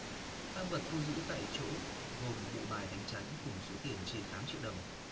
tang vật thu giữ tại chỗ gồm bộ bài đánh chắn cùng số tiền trên tám triệu đồng